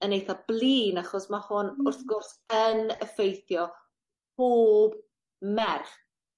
yn eitha blin achos ma' hon wrth gwrs yn effeithio pob merch.